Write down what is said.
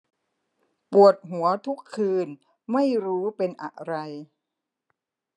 ปวดหัวทุกคืนไม่รู้เป็นอะไร